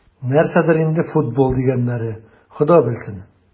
Нәрсәдер инде "футбол" дигәннәре, Хода белсен...